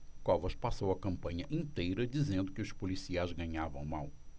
covas passou a campanha inteira dizendo que os policiais ganhavam mal